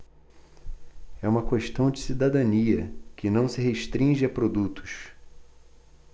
é uma questão de cidadania que não se restringe a produtos